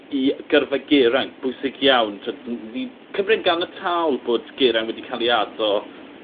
i gyrfa Geraint. Bwysig iawn. T'od n- n- ni'n cymryd yn ganiataol bod Geraint wedi ca'l 'i addo